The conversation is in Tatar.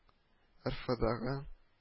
РФдәгы